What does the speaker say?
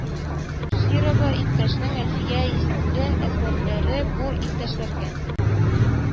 Һирова иптәшнең «әлфия» исемле әсәрләре бу иптәшләргә